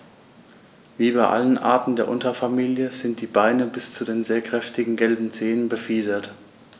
Wie bei allen Arten der Unterfamilie sind die Beine bis zu den sehr kräftigen gelben Zehen befiedert.